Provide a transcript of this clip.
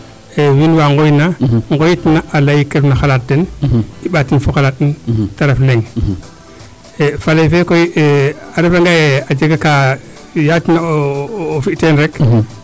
wiin waa ngooyna ngoyitna a ley ke refna xalaat den i mbaatin foxalaat in te ref leŋ faley fee koy a refangaye a jega kaa yaac na o fi teen rek